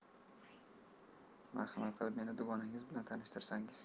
marhamat qilib meni duganangiz bilan tanishtirsangiz